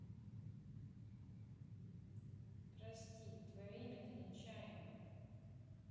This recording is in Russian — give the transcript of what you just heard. прости твое имя то нечаянно